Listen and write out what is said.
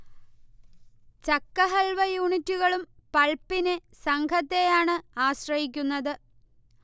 ചക്ക ഹൽവ യൂണിറ്റുകളും പൾപ്പിന് സംഘത്തെയാണ് ആശ്രയിക്കുന്നത്